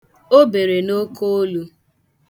O bere n'oke olu.